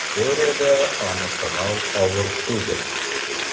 Теориядә аны санау авыр түгел: